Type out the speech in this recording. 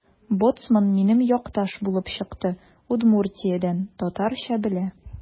Боцман минем якташ булып чыкты: Удмуртиядән – татарча белә.